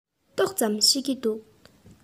ཏོག ཙམ ཤེས ཀྱི འདུག